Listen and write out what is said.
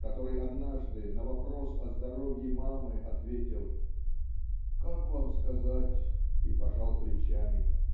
который однажды на вопрос о здоровье мамы ответил "Как вам сказать? - и пожал плечами.